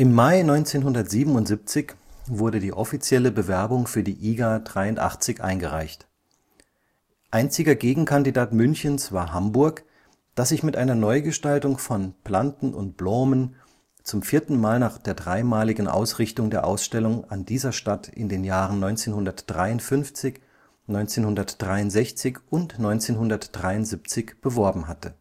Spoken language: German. Mai 1977 wurde die offizielle Bewerbung für die IGA 83 eingereicht. Einziger Gegenkandidat Münchens war Hamburg, das sich mit einer Neugestaltung von Planten un Blomen zum vierten Mal nach der dreimaligen Ausrichtung der Ausstellung an dieser Stadt in den Jahren 1953, 1963 und 1973 beworben hatte